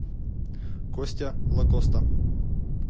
костя лакоста